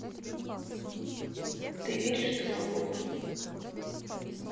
ты веришь в домового